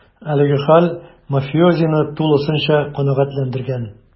Әлеге хәл мафиозины тулысынча канәгатьләндергән: